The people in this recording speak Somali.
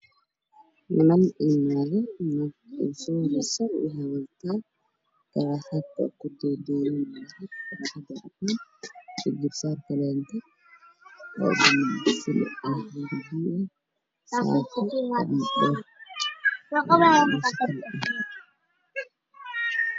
Meeshan waxa iga muuqda niman inaga fadhiya waana xaflad waxay qabaan raacdaan ah ninka soo buluug ayuu qaba ilaahay anigaba wax qabay waxaan saxo kama gali